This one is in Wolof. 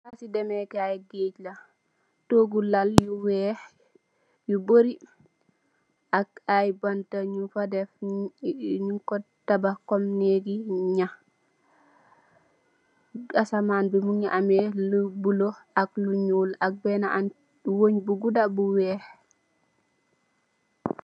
Plassi demeh kaii geudggh la, tohgu lal yu wekh yu bari ak aiiy bantah njung fa deff, njung kor tabakh kom neggi njahh, asahmance bii mungy ameh lu bleu ak lu njull ak benah ant weungh bu gudah bu wekh.